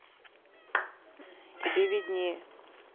тебе виднее